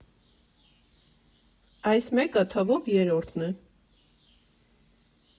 Այս մեկը թվով երրորդն է։